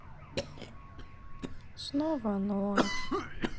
снова ночь